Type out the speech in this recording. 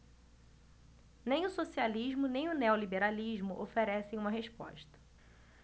nem o socialismo nem o neoliberalismo oferecem uma resposta